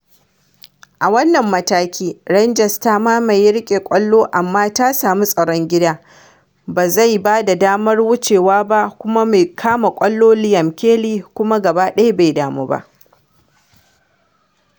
A wannan mataki, Rangers ta mamaye riƙe ƙwallo amma ta sami tsaron gidan ba zai ba da damar wucewa ba kuma mai kama ƙwallo Liam Kelly kuma gaba ɗaya bai damu ba.